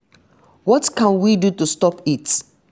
What can we do to stop it?